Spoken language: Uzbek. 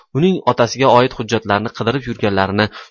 uning otasiga oid xujjatlarni qidirib yurganlarini